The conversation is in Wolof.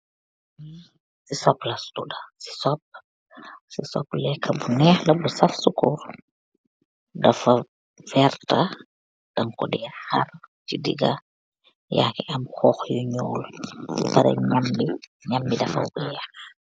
Sisoop la toda sisoop sisoop leka bu neh la bu saff sukour dafa vertah dang ko deh harr si dega yagi aam hoo yu nuul bapareh nyam bi nyam bi dafa weex.